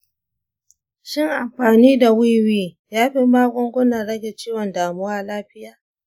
shin amfani da wiwi ya fi magungunan rage ciwon damuwa lafiya?